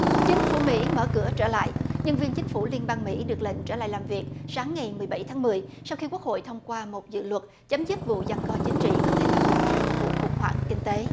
chính phủ mỹ mở cửa trở lại nhân viên chính phủ liên bang mỹ được lệnh trở lại làm việc sáng ngày mười bảy tháng mười sau khi quốc hội thông qua một dự luật chấm dứt vụ giằng co chính trị có thể làm bùng ra một vụ khủng hoảng kinh tế